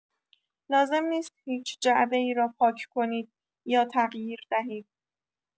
لازم نیست هیچ جعبه‌ای را پاک کنید یا تغییر دهید.